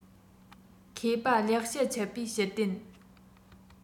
མཁས པ ལེགས བཤད འཆད པའི ཞུ རྟེན